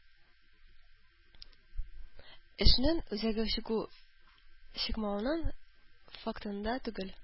Эшнең үзәге чыгу-чыкмауның фактында түгел.